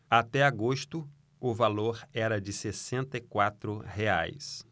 até agosto o valor era de sessenta e quatro reais